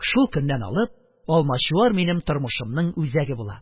Шул көннән алып Алмачуар минем тормышымның үзәге була.